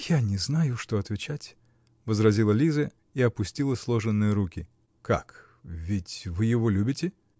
-- Я не знаю, что отвечать, -- возразила Лиза и опустила сложенные руки. -- Как? Ведь вы его любите?